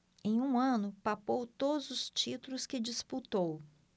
em um ano papou todos os títulos que disputou